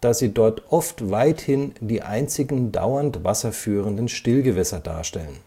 da sie dort oft weithin die einzigen dauernd wasserführenden Stillgewässer darstellen